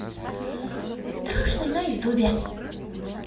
страшные на ютюбе